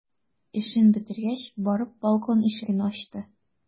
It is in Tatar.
Эшен бетергәч, барып балкон ишеген ачты.